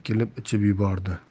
kelib ichib yubordi